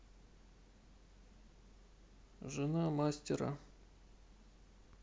жена мастера